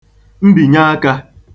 mbìnyeakā